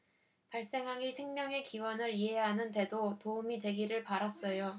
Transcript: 발생학이 생명의 기원을 이해하는 데도 도움이 되기를 바랐어요